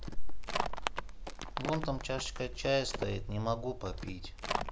вон там чашечка чая стоит не могу попить